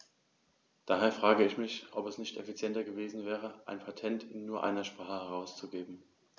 Daher frage ich mich, ob es nicht effizienter gewesen wäre, ein Patent in nur einer Sprache herauszugeben.